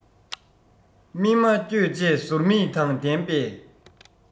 སྨིན མ བསྐྱོད བཅས ཟུར མིག དང ལྡན པས